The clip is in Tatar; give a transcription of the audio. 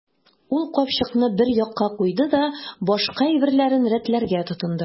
Ул капчыкны бер якка куйды да башка әйберләрен рәтләргә тотынды.